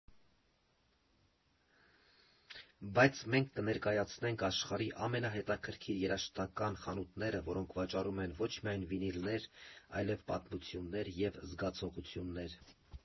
Բայց մենք կներկայացնենք աշխարհի ամենահետաքրքիր երաժշտական խանութները, որոնք վաճառում են ոչ միայն վինիլներ, այլև պատմություններ և զգացողություններ։